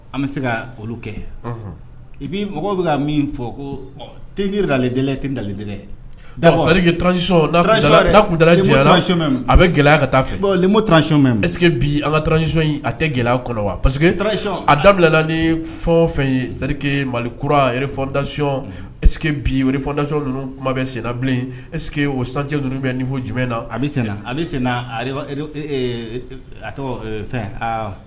An bɛ se ka olu kɛ i mɔgɔw bɛ min fɔ kojiransi dada bɛ gɛlɛya fɛ ansi a tɛ gɛlɛya kɔnɔ wa pa que a dabilala ni fɔ fɛn yerike mali kuradasiydac ninnu kuma bɛ senna bilen es que o san fɔ jumɛn na fɛ